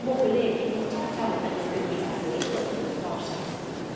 một buổi lễ kỷ niệm trang trọng đã được huyện ủy a lưới tổ chức vào sáng nay